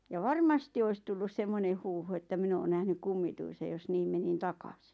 ja varmasti olisi tullut semmoinen huhu että minä olen nähnyt kummituisen jos niin menin takaisin